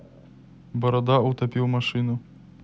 борода утопил машину